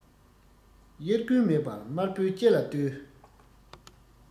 དབྱར དགུན མེད པ དམར པོའི ལྕེ ལ ལྟོས